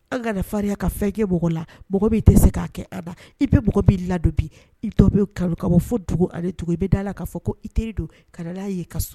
An ka farin ka fɛnke la tɛ se k'a kɛ ada i bɛ'i la i ka bɔ fɔ dugu ale tugu i bɛ da la k kaa fɔ ko i teri don ka ye ka so